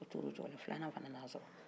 o tor'o cogo la filanan fɛnɛ nana sɔrɔ